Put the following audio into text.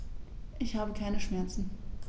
Ich habe keine Schmerzen.